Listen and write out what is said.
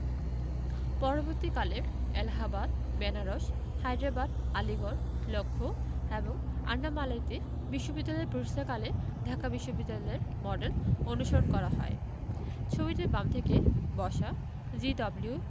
পরবর্তীকালে এলাহাবাদ বেনারস হায়দ্রাবাদ আলীগড় লক্ষৌ এবং আন্নামালাইতে বিশ্ববিদ্যালয় প্রতিষ্ঠাকালে ঢাকা বিশ্ববিদ্যালয়ের মডেল অনুসরণ করা হয় ছবিতে বাম থেকে বসা জি.ডব্লিউ.